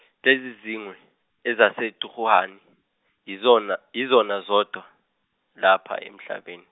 lezizingwe ezaseTuhurani yizona yizona zodwa lapha emhlabeni.